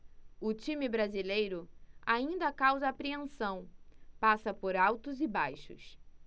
o time brasileiro ainda causa apreensão passa por altos e baixos